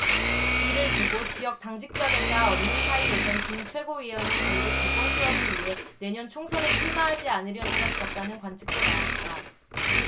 이를 두고 지역 당직자들과 언론 사이에선 김 최고위원이 결국 대권 수업을 위해 내년 총선에 출마하지 않으려는 것 같다는 관측도 나왔다